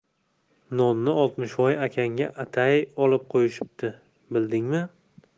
nonni oltmishvoy akangga atab qo'yishibdi bildingmi